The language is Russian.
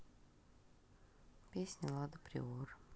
песня лада приора